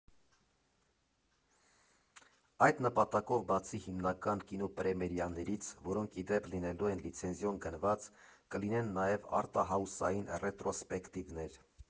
Այդ նպատակով բացի հիմնական կինոպրեմիերաներից, որոնք, ի դեպ, լինելու են լիցենզիոն գնված, կլինեն նաև արտհաուսային ռետրոսպեկտիվներ։